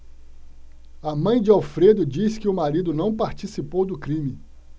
a mãe de alfredo diz que o marido não participou do crime